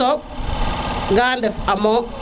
ga ndef xamo